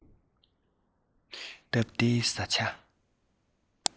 སྟབས བདེའི བཟའ བཅའ